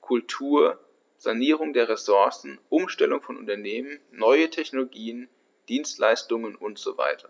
Kultur, Sanierung der Ressourcen, Umstellung von Unternehmen, neue Technologien, Dienstleistungen usw.